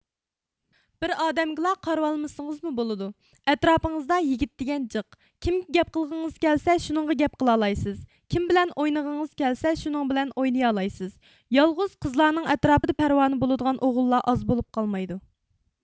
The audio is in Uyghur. بىر ئادەمگىلا قارىۋالمىسڭزمۇ بولىدۇ ئەتراپىڭىزدا يىگىت دىگەن جىق كىمگە گەپقىلغىڭىز كەلسە شۇنىڭغا گەپ قىلالايىىسز كىم بىلەن ئوينىغىڭىز كەلسە شۇنىڭ بىلەن ئوينىيالايىسز يالغۇز قىزلارنىڭ ئەتراپىدا پەرۋانە بولىدىغان ئوغۇللار ئاز بولۇپ قالمايدۇ